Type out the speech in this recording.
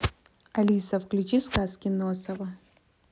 алиса включи сказки носова